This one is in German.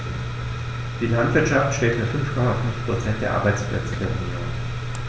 Die Landwirtschaft stellt nur 5,5 % der Arbeitsplätze der Union.